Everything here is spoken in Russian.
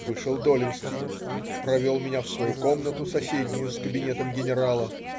Вышел Долинский, провел меня в свою комнату, соседнюю с кабинетом генерала.